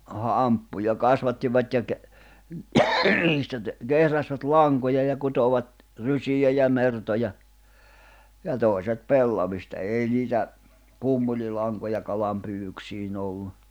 hamppuja kasvattivat ja - niistä - kehräsivät lankoja ja kutoivat rysiä ja mertoja ja toiset pellavista ei niitä pumpulilankoja kalanpyydyksiin ollut